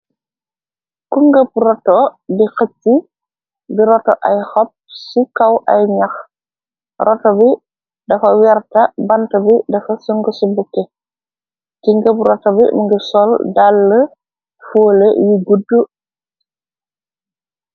ku ngëb roto bi xëji bi roto ay xob ci kaw ay ñax roto bi dafa werta bant bi dafa sëng ci bukke ki ngëb roto bi ngir sol dall foole yi gudd